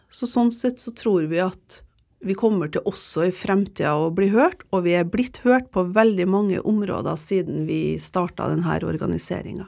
så sånn sett så tror vi at vi kommer til også i fremtida å bli hørt og vi er blitt hørt på veldig mange områder siden vi starta den her organiseringa.